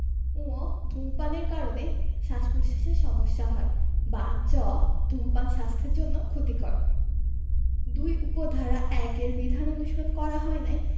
ঙ ধূমপানের কারণে শ্বাসপ্রশ্বাসের সমস্যা হয় বা চ ধূমপান স্বাস্থ্যের জন্য ক্ষতিকর ২ উপ ধারা ১ এর বিধান অনুসরণ করা হয় নাই